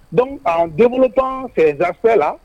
Don an dentɔn fɛdafɛ la